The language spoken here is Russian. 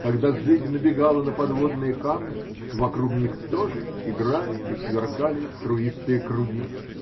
Когда зыбь набегала на подводные камни, вокруг них тоже играли и сверкали струистые круги.